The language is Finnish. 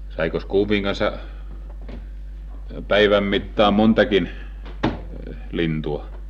saikos kuvien kanssa päivän mittaan montakin lintua